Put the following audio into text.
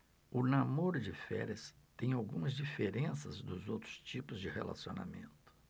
o namoro de férias tem algumas diferenças dos outros tipos de relacionamento